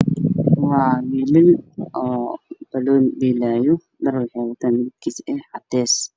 Waa wiilal oo bannaan ciyaarayaan mid uu kala gashanaayo mid khamiis uu wato maxay wataan fanaanado cadayda ah